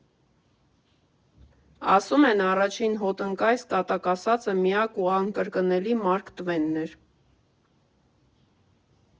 Ասում են առաջին հոտնկայս կատակասացը միակ ու անկրկնելի Մարկ Տվենն էր։